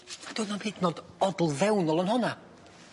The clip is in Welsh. Do'dd na'm hyd yn o'd odl fewnol yn honna.